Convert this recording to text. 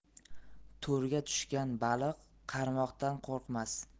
to'rga tushgan baliq qarmoqdan qo'rqmas